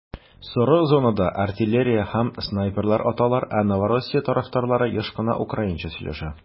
Соры зонада артиллерия һәм снайперлар аталар, ә Новороссия тарафтарлары еш кына украинча сөйләшә.